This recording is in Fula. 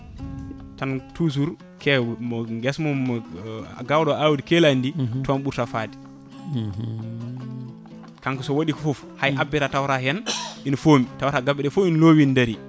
tan toujours guesa mum gawɗo o awdi keeladi ndi kanko toon ɓurta faade kanko so waɗi foof hay abbere a tawata hen ina foomi tawata gabbeɗe foof ne ene loowi ene daari